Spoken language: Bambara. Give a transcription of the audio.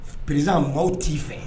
P maaw t'i fɛ